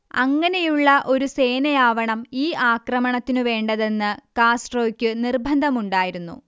അങ്ങനെയുള്ള ഒരു സേനയാവണം ഈ ആക്രമണത്തിനു വേണ്ടതെന്ന് കാസ്ട്രോയക്കു നിർബന്ധമുണ്ടായിരുന്നു